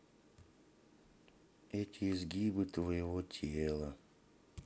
эти изгибы твоего тела